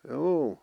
juu